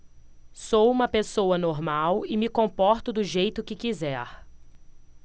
sou homossexual e me comporto do jeito que quiser